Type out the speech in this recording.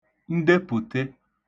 ndepùte